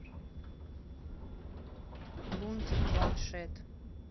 лунтик планшет